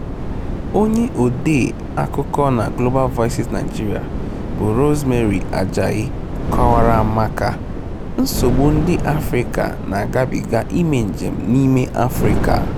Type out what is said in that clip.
Onye odee akụkọ na Global Voices Naịjirịa bụ Rosemary Ajayi kọwara maka "nsogbu ndị Afrịka na-agabịga ime njem n'ime Afrịka".